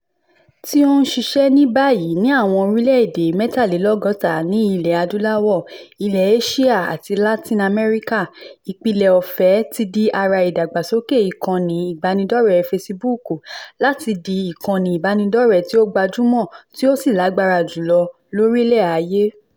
Tí ó ń ṣiṣẹ́ ní báyìí ní àwọn orílẹ̀ èdè 63 ní Ilẹ̀ Adúláwò, Ilẹ̀ Éṣíà àti Latin America, Ìpìlẹ̀ Ọ̀fẹ́ ti di ara ìdàgbàsókè ìkànnì ìbánidọ́rẹ̀ẹ́ Facebook láti di ìkànnì ìbánidọ́rẹ̀ẹ́ tí ó gbajúmò tí ó sì lágbára jùlọ lórílẹ̀ ayé.